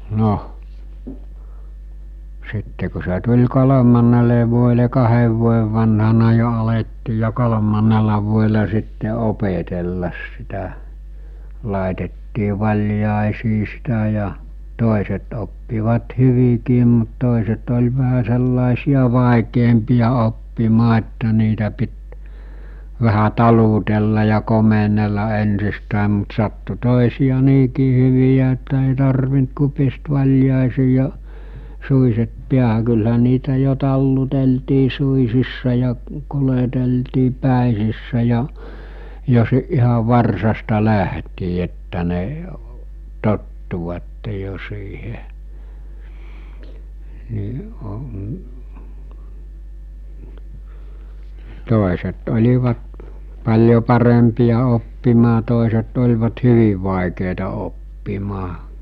no sitten kun se tuli kolmannelle vuodelle kahden vuoden vanhana jo alettiin ja kolmannella vuodella sitten opetella sitä laitettiin valjaisiin sitä ja toiset oppivat hyvinkin mutta toiset oli vähän sellaisia vaikeampia oppimaan että niitä piti vähän talutella ja komennella ensistään mutta sattui toisia niinkin hyviä että ei tarvinnut kuin pistää valjaisiin ja suitset päähän kyllähän niitä jo taluteltiin suitsissa ja kuljeteltiin päitsissä ja jo - ihan varsasta lähtien että ne tottuivat jo siihen niin - toiset olivat paljon parempia oppimaan toiset olivat hyvin vaikeita oppimaan